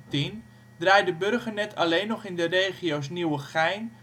dit moment draait Burgernet alleen nog in Nieuwegein